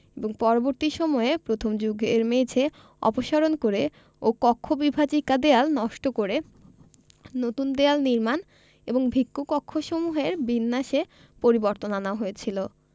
এবং পরবর্তী সময়ে প্রথম যুগের মেঝে অপসারণ করে ও কক্ষ বিভাজিকা দেয়াল নষ্ট করে নুতন দেওয়াল নির্মাণ এবং ভিক্ষু কক্ষসমূহের বিন্যাসে পরিবর্তন আনা হয়েছিল